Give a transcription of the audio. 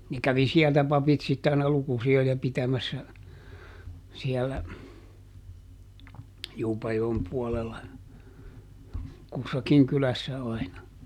ne kävi sieltä papit sitten aina lukusijoja pitämässä siellä Juupajoen puolella kussakin kylässä aina